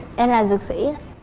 em là dược sĩ ạ